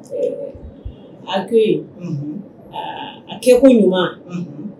A a kɛ ko ɲuman